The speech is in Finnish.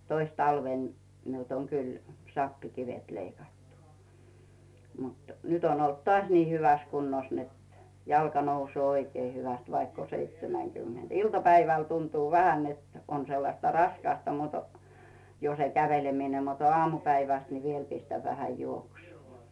toissa talvena minulta on kyllä sappikivet leikattu mutta nyt on ollut taas niin hyvässä kunnossa että jalka nousee oikein hyvästi vaikka on seitsemänkymmentä iltapäivällä tuntuu vähän että on sellaista raskasta mutta jo se käveleminen mutta aamupäivästä niin vielä pistän vähän juoksua